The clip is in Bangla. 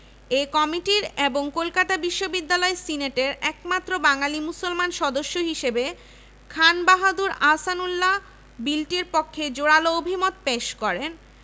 কিন্তু প্রথম বিশ্বযুদ্ধকালে সরকারের ওপর প্রচন্ড অর্থনৈতিক চাপের কারণে এগারো লক্ষ পচিশ হাজার টাকা ব্যয়ের